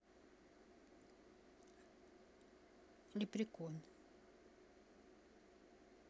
лепрекон